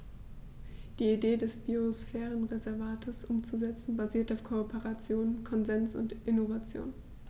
Die Idee des Biosphärenreservates umzusetzen, basiert auf Kooperation, Konsens und Innovation.